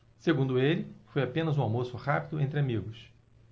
segundo ele foi apenas um almoço rápido entre amigos